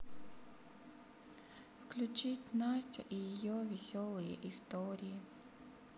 включить настя и ее веселые истории